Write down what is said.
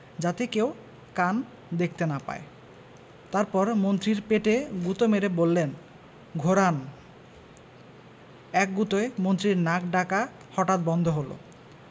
যাতে কেউ কান দেখতে না পায় তারপর মন্ত্রীর পেটে গুতো মেরে বললেন ঘোড়া আন এক গুতোয় মন্ত্রীর নাক ডাকা হঠাৎ বন্ধ হল